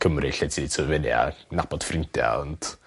Cymru lle ti tyf' fyny a'r nabod ffrindia ont